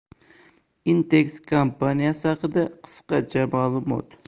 intex kompaniyasi haqida qisqacha malumot